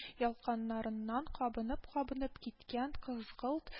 Ялканнарыннан кабынып-кабынып киткән кызгылт